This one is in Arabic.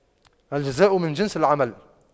الجزاء من جنس العمل